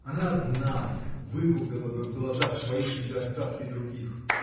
Она одна выкупила бы в глазах твоих недостатки других.